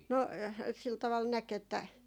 no sillä tavalla näki että